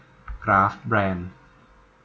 กราฟแบรนด์